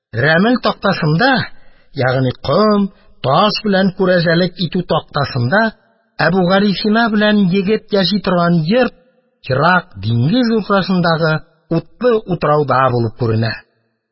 Рәмел тактасында, ягъни ком, таш белән күрәзәлек итү тактасында, Әбүгалисина белән егет яши торган йорт ерак диңгез уртасындагы утлы утрауда булып күренә.